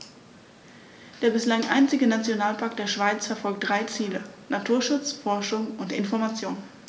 Der bislang einzige Nationalpark der Schweiz verfolgt drei Ziele: Naturschutz, Forschung und Information.